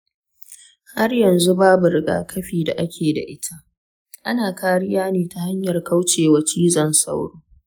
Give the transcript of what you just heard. har yanzu babu rigakafin da ake da ita. ana kariya ne ta hanyar kauce wa cizon sauro.